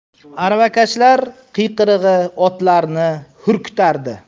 aravakashlar qiyqirig'i otlarni xurkitardi